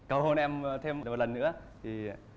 cầu hôn em thêm một lần nữa thì